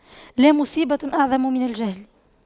لا مصيبة أعظم من الجهل